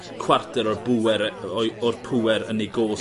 cwarter o'r bŵer e- o'i o'r pŵer yn eu go's...